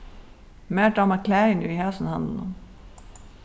mær dámar klæðini í hasum handlinum